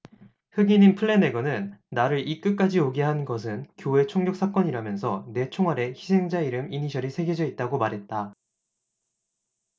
흑인인 플래내건은 나를 이 끝까지 오게 한 것은 교회 총격사건이라면서 내 총알에 희생자 이름 이니셜이 새겨져 있다고 말했다